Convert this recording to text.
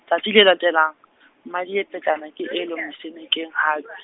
tsatsi le latelang, Mmadiepetsane ke elwa mosenekeng hape.